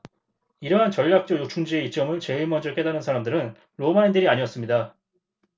이러한 전략적 요충지의 이점을 제일 먼저 깨달은 사람들은 로마인들이 아니었습니다